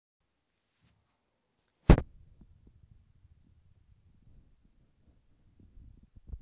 джой знаешь кто такой углероды